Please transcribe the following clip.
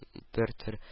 Бертөр